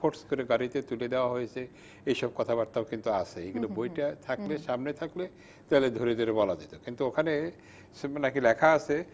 force করে গাড়িতে তুলে দেয়া হয়েছে এসব কথা বার্তা ও কিন্তু আছে এগুলো বইটা এখানে সামনে থাকলে তাহলে ধরে ধরে বলা যেত কিন্তু ওখানে না কি লেখা আছে